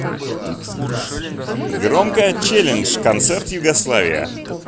громко челлендж концерт югославия